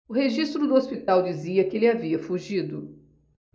o registro do hospital dizia que ele havia fugido